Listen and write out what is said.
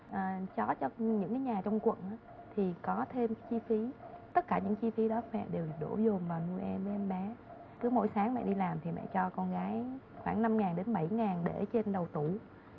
chó trong những nhà trong quận thì có thêm chi phí tất cả những chi phí đó mẹ đều đổ dồn mẹ nuôi em bé cứ mỗi sáng mẹ đi làm thì mẹ cho con gái khoảng năm nghìn đến bảy ngàn để trên đầu tủ